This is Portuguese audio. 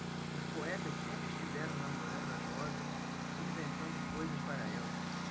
os poetas sempre estiveram namorando as rosas e inventando coisas para elas